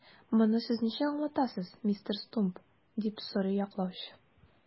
Моны сез ничек аңлатасыз, мистер Стумп? - дип сорый яклаучы.